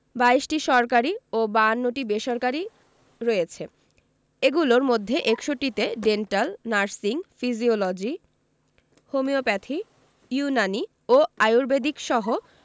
২২টি সরকারি ও ৫২টি বেসরকারি রয়েছে এগুলোর মধ্যে ৬১টিতে dental nursing physiology homeopathy Unani ও আর্য়ুবেদিকসহ